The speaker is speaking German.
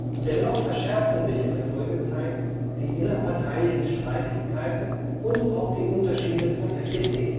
Dennoch verschärften sich in der Folgezeit die innerparteilichen Streitigkeiten und auch die Unterschiede zur FDP